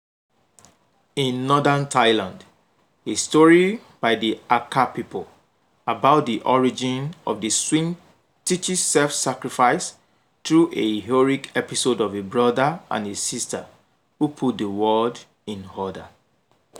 In northern Thailand, a story by the Akha people about the origin of the swing teaches self-sacrifice through a heroic episode of a brother and a sister who put the world in order.